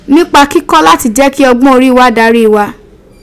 Nipa kiko lati je ki ogbon ori wa dari wa.